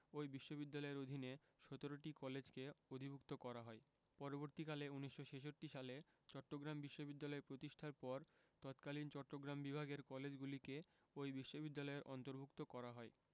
ওই বিশ্ববিদ্যালয়ের অধীনে ১৭টি কলেজকে অধিভুক্ত করা হয় পরবর্তীকালে ১৯৬৬ সালে চট্টগ্রাম বিশ্ববিদ্যালয় প্রতিষ্ঠার পর তৎকালীন চট্টগ্রাম বিভাগের কলেজগুলিকে ওই বিশ্ববিদ্যালয়ের অন্তর্ভুক্ত করা হয়